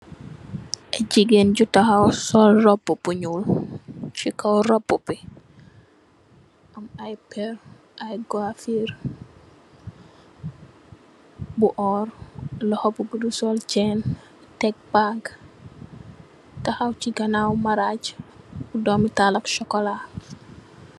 Jigeen ju taxaw sol róbbu bu ñuul ci kaw róbbu bi am na ay péér ay kuwafiir bu oór loxo bu guddu sol cèèn tèg bag taxaw ci ganaw maraj bu doomi tahal ak sokola.